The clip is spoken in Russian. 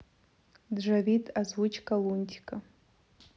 джавид озвучка лунтика